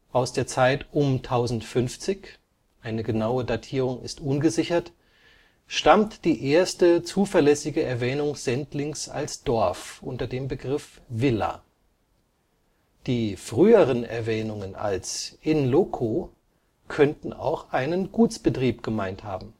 Aus der Zeit um 1050 (genaue Datierung ungesichert) stammt die erste zuverlässige Erwähnung Sendlings als Dorf (villa). Die früheren Erwähnungen als in loco könnten auch einen Gutsbetrieb gemeint haben